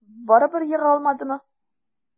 Барыбер ега алмадымы?